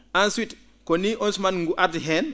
ensuit ko ni on suman ngu ardi heen